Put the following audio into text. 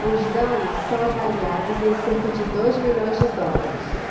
os danos são avaliados em cerca de dois milhões de dólares